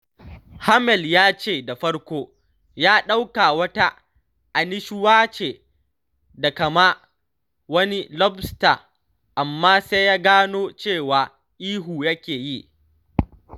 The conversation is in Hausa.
Hammel ya ce da farko ya ɗauka wata annishuwa ce ta kama wani lobster, amma sai ya “gano cewa ihu yake yi, ‘An cije ni!